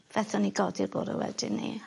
Fethon ni godi'r bore wedyn 'ny.